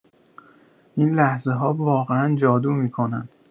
این لحظه‌ها واقعا جادو می‌کنن.